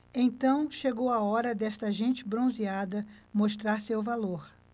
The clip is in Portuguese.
então chegou a hora desta gente bronzeada mostrar seu valor